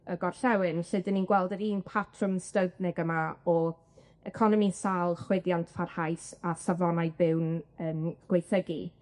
y gorllewin, lle 'dyn ni'n gweld yr un patrwm styfgnig yma o economi'n sâl, chwyddiant parhaus a safonau byw'n yn gwaethygu.